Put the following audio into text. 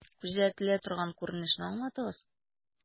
Күзәтелә торган күренешне аңлатыгыз.